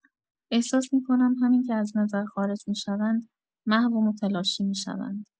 احساس می‌کنم همین که از نظر خارج می‌شوند محو و متلاشی می‌شوند.